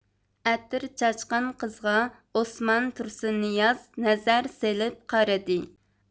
ئەتىر چاچقان قىزغا ئوسمان تۇرسۇننىياز نەزەر سېلىپ قارىدى